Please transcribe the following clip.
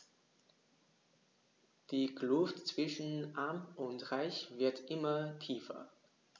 Die Kluft zwischen Arm und Reich wird immer tiefer.